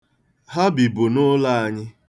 Ha bibu n'ụlọ anyị.